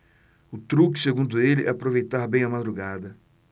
o truque segundo ele é aproveitar bem a madrugada